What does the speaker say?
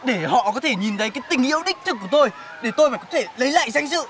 để họ có thể nhìn thấy cái tình yêu đích thực của tôi để tôi phải có thể lấy lại danh dự